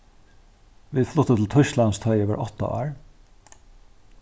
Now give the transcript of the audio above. vit fluttu til týsklands tá ið eg var átta ár